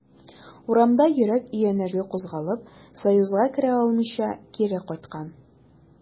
Урамда йөрәк өянәге кузгалып, союзга керә алмыйча, кире кайткан.